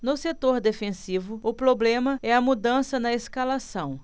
no setor defensivo o problema é a mudança na escalação